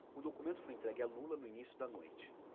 o documento foi entregue a lula no início da noite